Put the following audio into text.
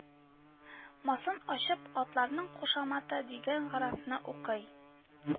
Масын ачып, «атларның кушаматы» дигән графаны укый